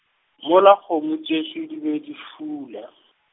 mola kgomo tšešo di be di fula.